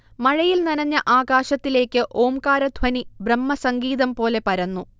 മഴയിൽ നനഞ്ഞ ആകാശത്തിലേക്ക് ഓംകാരധ്വനി ബ്രഹ്മസംഗീതംപോലെ പരന്നു